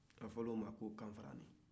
a bɛ fɔ o ma ko kanfaranin